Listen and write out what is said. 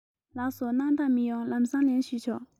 ལགས སོ སྣང དག མི ཡོང ལམ སེང ལན ཞུས ཆོག